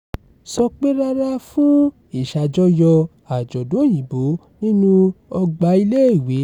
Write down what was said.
3. Sọ pé rárá fún ìṣàjọyọ̀ àjọ̀dún Òyìnbó nínú ọgbà ilé-ìwé.